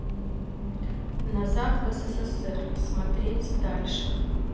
назад в ссср смотреть дальше